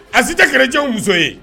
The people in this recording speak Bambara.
A si tɛ chrétien muso ye